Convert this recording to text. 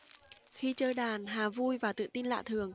khi chơi đàn hà vui và tự tin lạ thường